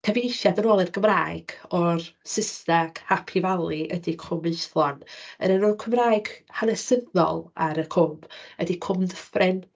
Cyfeithiad yn ôl i'r Gymraeg o'r Saesneg Happy Valley ydy Cwm Maethlon, yr enw Cymraeg hanesyddol ar y cwm ydy Cwm Dyffryn.